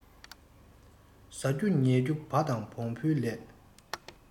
ཟ རྒྱུ ཉལ རྒྱུ བ དང བོང བའི ལས